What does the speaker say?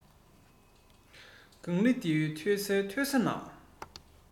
ལྒང ལི འདིའི མཐོ སའི མཐོ ས ན